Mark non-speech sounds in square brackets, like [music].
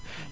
[hesitation] [hesitation]